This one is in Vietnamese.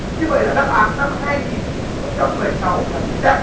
như vậy là đáp án năm hai nghìn không trăm bảy sáu là chính xác